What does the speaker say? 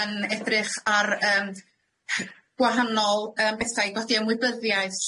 yn edrych ar yym gwahanol yym bethau i godi ymwybyddiaeth